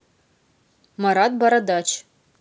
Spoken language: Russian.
марат бородач